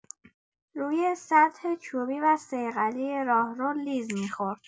روی سطح چوبی و صیقلی راهرو لیز می‌خورد